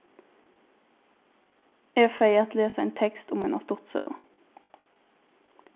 eg fari at lesa ein tekst um eina stuttsøgu